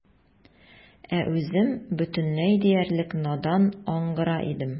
Ә үзем бөтенләй диярлек надан, аңгыра идем.